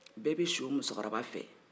bɛɛ bɛ si o muso kɔrɔ ba fɛ